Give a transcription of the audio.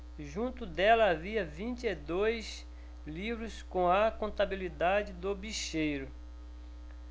junto dela havia vinte e dois livros com a contabilidade do bicheiro